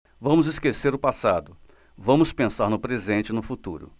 vamos esquecer o passado vamos pensar no presente e no futuro